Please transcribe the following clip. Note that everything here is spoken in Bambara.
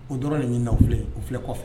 O dɔrɔn de ɲini na. O filɛ , o filɛ kɔfɛ.